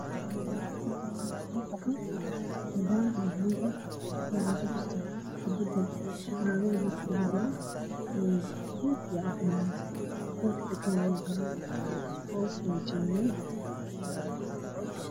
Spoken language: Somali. Halkaan waxa yaalo gacan cadaan iyo buluug ah waxa ku jirto cirbada aalada dadka lagu duro midab guduud iyo cadaan ah halka ay taalo cagaar hoos waa jaale